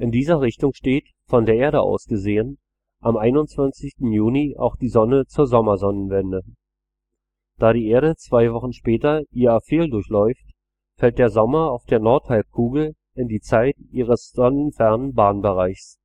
dieser Richtung steht, von der Erde aus gesehen, am 21. Juni auch die Sonne zur Sommersonnenwende. Da die Erde zwei Wochen später ihr Aphel durchläuft, fällt der Sommer auf der Nordhalbkugel in die Zeit ihres sonnenfernen Bahnbereichs